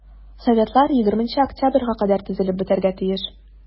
Советлар 20 октябрьгә кадәр төзелеп бетәргә тиеш.